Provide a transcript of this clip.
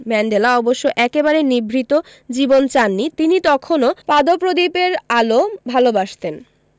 Mandela অবশ্য একেবারে নিভৃত জীবন চাননি তিনি তখনো পাদপ্রদীপের আলো ভালোবাসতেন